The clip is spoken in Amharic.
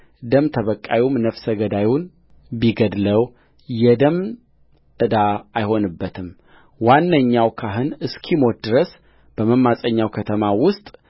ደም ተበቃዩም ነፍሰ ገዳዩን ቢገድለው የደም ዕዳ አይሆንበትምዋነኛው ካህን እስኪሞት ድረሰ በመማፀኛው ከተማ ውስጥ